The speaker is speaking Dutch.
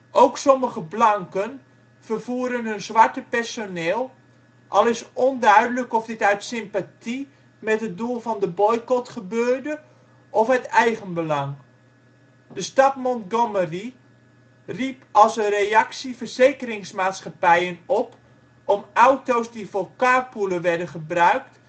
Ook sommige blanken vervoeren hun zwarte personeel, al is onduidelijk of dit uit sympathie met het doel van de boycot gebeurde of uit eigenbelang. De stad Montgomery riep als een reactie verzekeringsmaatschappijen op om auto 's die voor carpoolen werden gebruikt